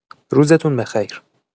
روزتون بخیر